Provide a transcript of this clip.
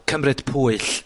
Cymryd pwyll.